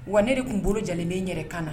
Wa ne de tun n bolo jelinen yɛrɛ kan na